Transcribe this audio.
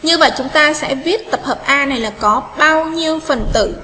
như vậy chúng ta sẽ viết tập hợp a này là có bao nhiêu phần tử